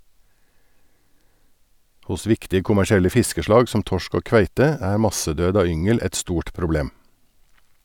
Hos viktige kommersielle fiskeslag som torsk og kveite er massedød av yngel et stort problem.